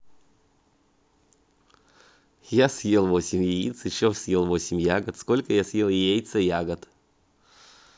я съел восемь яиц еще съел восемь ягод сколько я съел яица ягод